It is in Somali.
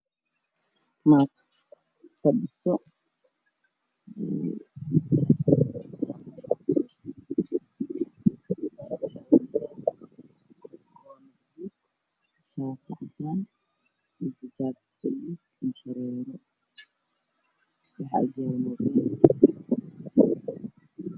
Waxaa ii muuqda gabar wadato indha shareer iyo shaqo iyo xijaab buluugan waxaana ag yaalo buug iyo mobile gadaal waxaa ka xiga gabar wadato xijaab guduudan